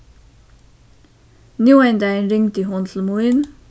nú ein dagin ringdi hon til mín